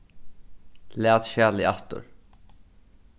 lat skjalið aftur